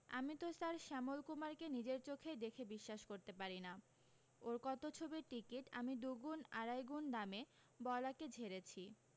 আমি তো স্যার শ্যামল কুমারকে নিজের চোখেই দেখে বিশ্বাস করতে পারি না ওর কত ছবির টিকিট আমি দুগুণ আড়াইগুণ দামে বল্যাকে ঝেড়েছি